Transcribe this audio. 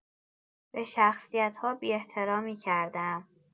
به شخصیت‌ها بی‌احترامی کرده‌ام